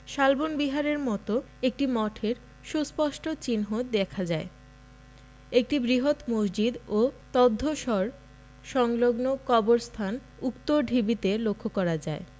শালবন বিহারের মতো একটি মঠের সুস্পষ্ট চিহ্ন দেখা যায় একটি বৃহৎ মসজিদ ও তদ্ধসঢ় সংলগ্ন কবরস্থান উক্ত ঢিবিতে লক্ষ্য করা যায়